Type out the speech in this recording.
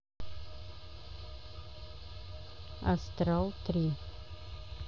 астрал три